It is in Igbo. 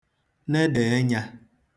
neda enyā